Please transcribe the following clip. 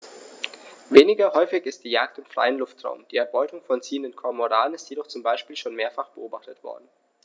Weniger häufig ist die Jagd im freien Luftraum; die Erbeutung von ziehenden Kormoranen ist jedoch zum Beispiel schon mehrfach beobachtet worden.